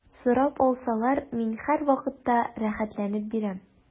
Сорап алсалар, мин һәрвакытта рәхәтләнеп бирәм.